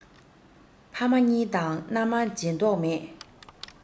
ཕ མ གཉིས དང མནའ མ བརྗེ མདོག མེད